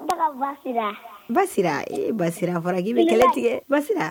Ne ka Basira, Basira , ee a fɔra k'i bɛ kɛlɛ tigɛ.